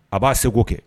A b'a segu kɛ